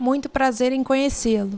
muito prazer em conhecê lo